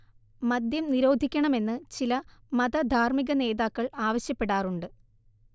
മദ്യം നിരോധിക്കണമെന്ന് ചില മത ധാർമ്മികനേതാക്കൾ ആവശ്യപ്പെടാറുണ്ട്